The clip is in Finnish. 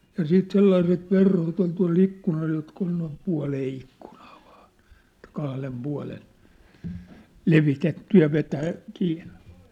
ja sitten sellaiset verhot oli tuolla ikkunalla jotka oli noin puoleen ikkunaan vain että kahden puolen levitetty ja vetää kiinni